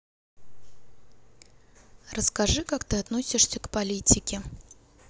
расскажи как ты относишься к политике